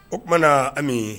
O tuma na Ami